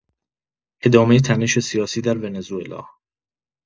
ادامه تنش سیاسی در ونزوئلا